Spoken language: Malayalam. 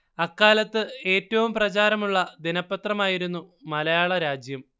അക്കാലത്തെ ഏറ്റവും പ്രചാരമുള്ള ദിനപത്രമായിരുന്നു മലയാളരാജ്യം